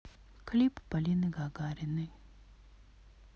клип полины гагариной